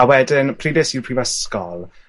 A wedyn pryd es i i prifysgol